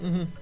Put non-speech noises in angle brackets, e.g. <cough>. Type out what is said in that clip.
<hesitation> <hesitation>